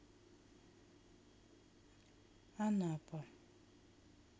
анапа